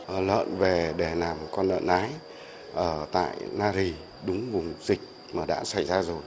lợn về để làm con lợn nái ở tại na rì đúng vùng dịch mà đã xảy ra rồi